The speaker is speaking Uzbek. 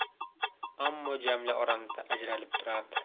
ammo jamila oramizda ajralib turardi